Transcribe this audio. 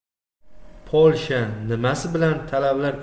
polsha nimasi bilan talabalar